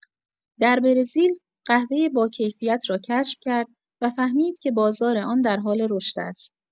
در برزیل، قهوۀ باکیفیت را کشف کرد و فهمید که بازار آن در حال رشد است.